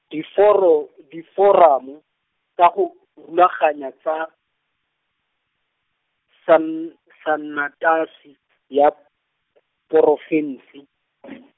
diforo diforamo, tsa go, rulaganya tsa, san- sanetasi, ya, porofense .